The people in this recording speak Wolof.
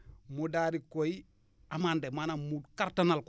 mu daal di koy amander maanaam mu kattanal ko